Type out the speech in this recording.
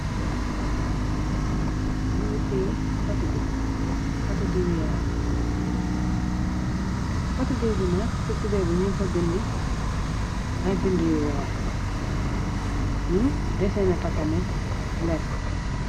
Loxo bi mingite yi potidiiw potidiiwwi yaram potidiiw bi nakk ci kubeer bi ñun fa bindi ay bind yu weex ñu deseena fatamet leem.